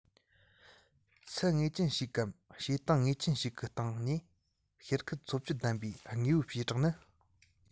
ཚད ངེས ཅན ཞིག གམ བྱེད སྟངས ངེས ཅན ཞིག གི སྟེང ནས གཤེར ཁུ འཚོ བཅུད ལྡན པའི དངོས པོའི བྱེ བྲག ནི